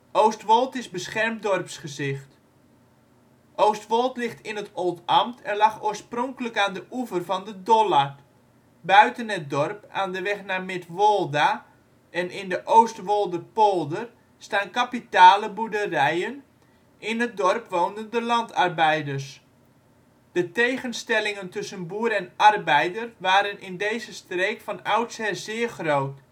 Oostwold is beschermd dorpsgezicht. Oostwold ligt in het Oldambt en lag oorspronkelijk aan de oever van de Dollard. Buiten het dorp, aan de weg naar Midwolda en in de Oostwolderpolder staan kapitale boerderijen, in het dorp woonden de landarbeiders. De tegenstellingen tussen boer en arbeider waren in deze streek van oudsher zeer groot